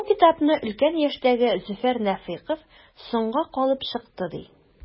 Бу китапны өлкән яшьтәге Зөфәр Нәфыйков “соңга калып” чыкты, ди.